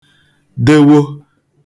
dewo